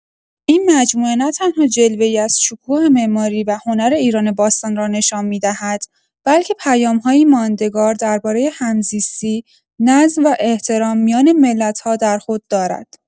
این مجموعه نه‌تنها جلوه‌ای از شکوه معماری و هنر ایران باستان را نشان می‌دهد، بلکه پیام‌هایی ماندگار درباره همزیستی، نظم و احترام میان ملت‌ها در خود دارد.